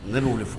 N'w de fɔ